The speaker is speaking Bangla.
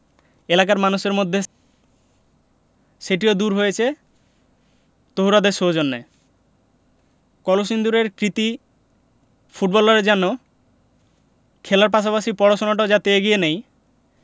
এলাকার মানুষের মধ্যে সেটিও দূর হয়েছে তহুরাদের সৌজন্যে কলসিন্দুরের কৃতী ফুটবলাররা যেন খেলার পাশাপাশি পড়াশোনাটাও যাতে এগিয়ে নেই